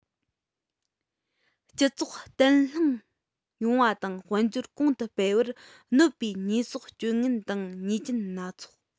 སྤྱི ཚོགས བརྟན ལྷིང ཡོང བ དང དཔལ འབྱོར གོང དུ འཕེལ བར གནོད པའི ཉེས གསོག སྤྱོད ངན དང ཉེས ཅན སྣ ཚོགས